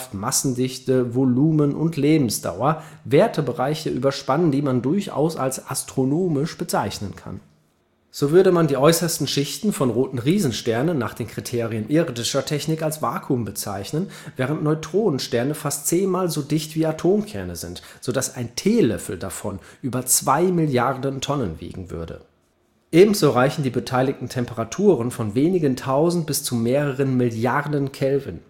Massendichte, Volumen und Lebensdauer Wertebereiche überspannen, die man durchaus als astronomisch bezeichnen kann. So würde man die äußersten Schichten von roten Riesensternen nach den Kriterien irdischer Technik als Vakuum bezeichnen, während Neutronensterne fast zehnmal so dicht wie Atomkerne sind, sodass ein Teelöffel davon über zwei Milliarden Tonnen wiegen würde. Ebenso reichen die beteiligten Temperaturen von wenigen Tausend bis zu mehreren Milliarden Kelvin